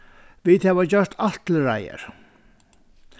vit hava gjørt alt til reiðar